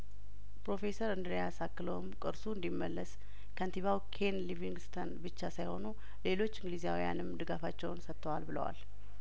ፕሮፌሰር እንድርያስ አክለውም ቅርሱ እንዲ መለስ ከንቲባው ኬን ሊቨንግስተን ብቻ ሳይሆኑ ሌሎች እንግሊዛውያንም ድጋፋቸውን ሰጥተዋል ብለዋል